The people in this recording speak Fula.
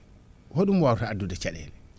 hoɗum wawata addude caɗele